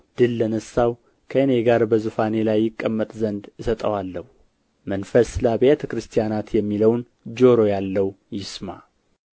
ድል ለነሣው ከእኔ ጋር በዙፋኔ ላይ ይቀመጥ ዘንድ እሰጠዋለሁ መንፈስ ለአብያተ ክርስቲያናት የሚለውን ጆሮ ያለው ይስማ